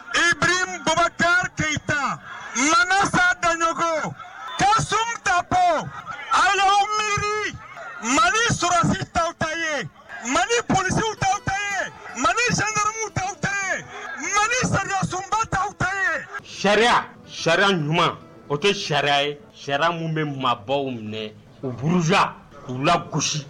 I bɛ ta ma sa daɲɔgɔn ka sunta ala mi mali ssi tɔw ta ye mali psi dɔw tɛ mali sakamu dɔw tɛ mali sa sunba taye sariya sariya ɲuman o kɛ sariya ye sariya minnu bɛ mabɔbaww minɛ uuruz z uu la gosi